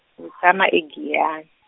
tshama e- Giyan-.